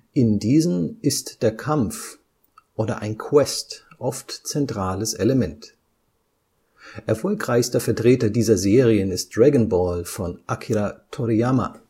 In diesen ist der Kampf oder ein Quest oft zentrales Element. Erfolgreichster Vertreter dieser Serien ist Dragon Ball von Akira Toriyama